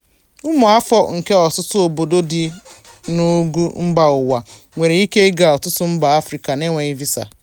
Ụmụafọ nke ọtụtụ obodo dị n'ugwu mbaụwa nwere ike ịga ọtụtụ mba Afrịka n'enweghị visa, mọọbụ nwe obere mmachị, mana ọtụtụ ụmụafọ Afrịka ga-enwe visa ịjị gaa ihe karịrị ọkara nke mba Afrịka ndị ọzọ.